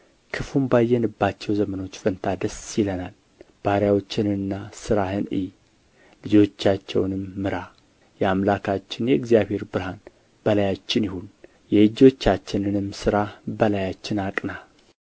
ክፉም ባየንባቸው ዘመኖች ፋንታ ደስ ይለናል ባሪያዎችህንና ሥራህን እይ ልጆቻቸውንም ምራ የአምላካችን የእግዚአብሔር ብርሃን በላያችን ይሁን የእጆቻችንንም ሥራ በላያችን አቅና